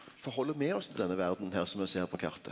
forheld me oss til denne verda her som me ser på kartet?